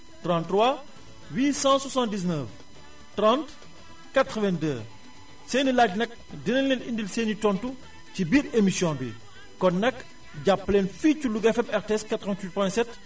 33 879 30 82 seen i laaj nag dinañu leen indil seen i tontu ci biir émission bi kon nag jàpp leen fii ci Louga FM RTS 88.7